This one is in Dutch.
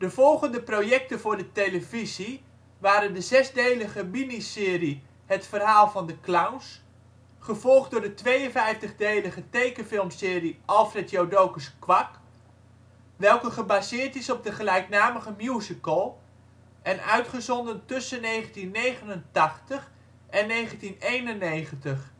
volgende projecten voor de televisie waren de zesdelige miniserie Het verhaal van de clowns, gevolgd door de 52-delige tekenfilmserie Alfred Jodocus Kwak welke gebaseerd is op de gelijknamige musical en uitgezonden tussen 1989 en 1991. In